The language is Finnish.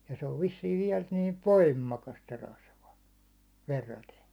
ja se on vissiin vielä niin voimakasta se rasva verraten